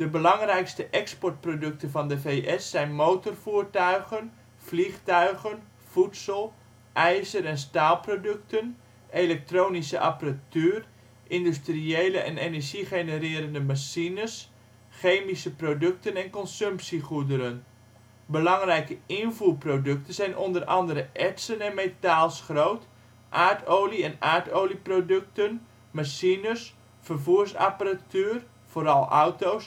belangrijkste exportproducten van de V.S. zijn motorvoertuigen, vliegtuigen, voedsel, ijzer en staalproducten, elektronische apparatuur, industriële en energie-genererende machines, chemische producten en consumptiegoederen. Belangrijke invoerproducten zijn onder andere ertsen en metaalschroot, aardolie en aardolieproducten, machines, vervoersapparatuur (vooral auto